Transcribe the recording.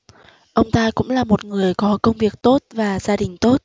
ông ta cũng là một người có công việc tốt và gia đình tốt